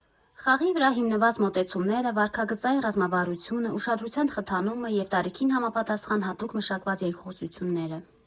Խաղի վրա հիմնված մոտեցումները, վարքագծային ռազմավարությունը, ուշադրության խթանումը, և տարիքին համապատասխան հատուկ մշակված երկխոսությունները։